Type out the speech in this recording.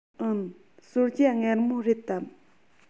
འུན གསོལ ཇ མངར མོ རེད དམ